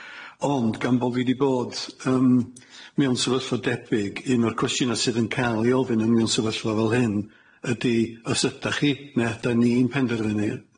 Ond gan bo' fi 'di bod yym mewn sefyllfa debyg, un o'r cwestiyna' sydd yn ca'l 'i ofyn yn union sefyllfa fel hyn ydi, os ydach chi ne' 'dan ni'n penderfynu